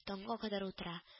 Таңга кадәр утыра